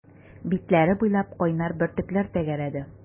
Битләре буйлап кайнар бөртекләр тәгәрәде.